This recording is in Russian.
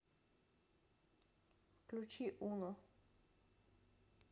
включи уно